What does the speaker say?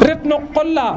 ret no qol la